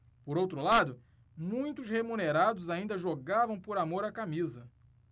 por outro lado muitos remunerados ainda jogavam por amor à camisa